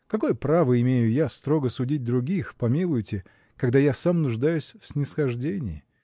Какое право имею я строго судить других, помилуйте, когда я сам нуждаюсь в снисхождении?